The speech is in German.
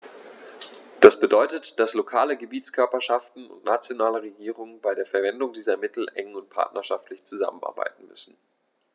Das bedeutet, dass lokale Gebietskörperschaften und nationale Regierungen bei der Verwendung dieser Mittel eng und partnerschaftlich zusammenarbeiten müssen.